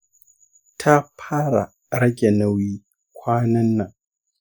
ta fara rage nauyi kwanan nan.